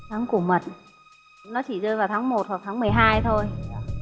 tháng củ mật nó chỉ rơi vào tháng một hoặc thánh mười hai thôi